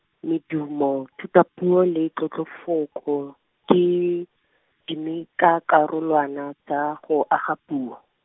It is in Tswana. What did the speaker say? medumo, thutapuo le tlotlofoko, ke, dimikakarolwana tsa go aga puo.